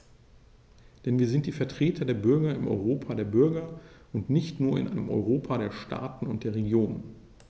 Denn wir sind die Vertreter der Bürger im Europa der Bürger und nicht nur in einem Europa der Staaten und der Regionen.